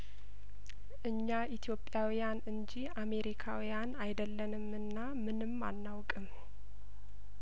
እኛ ኢትዮጵያውያን እንጂ አሜሪካውያን አይደለምና ምንም አናውቅም